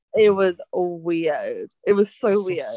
It was weird. It was so weird